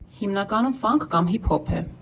Հիմնականում ֆանք կամ հիփ֊հոփ է։